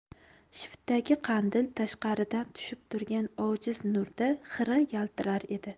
shiftdagi qandil tashqaridan tushib turgan ojiz nurda xira yaltirar edi